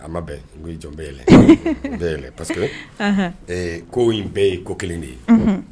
A ma bɛn n ko i jɔ n bɛ yɛlɛn n bɛ yɛlɛn parce que ɛɛ ko in bɛɛ ye ko kelen de ye, unhun